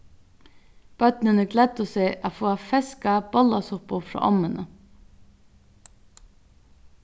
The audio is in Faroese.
børnini gleddu seg at fáa feska bollasuppu frá ommuni